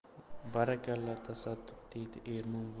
barakalla tasadduq deydi